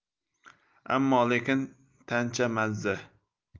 ammo lekin tancha mazza